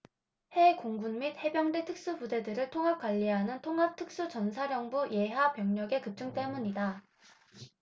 해 공군및 해병대 특수부대들을 통합 관리하는 통합특수전사령부 예하 병력의 급증 때문이다